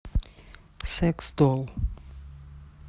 секс дол